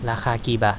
ราคากี่บาท